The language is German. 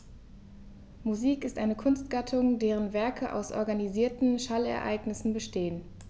Musik ist eine Kunstgattung, deren Werke aus organisierten Schallereignissen bestehen.